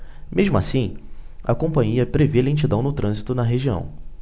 mesmo assim a companhia prevê lentidão no trânsito na região